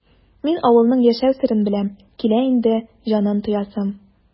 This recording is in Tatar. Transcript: Мин авылның яшәү серен беләм, килә инде җанын тоясым!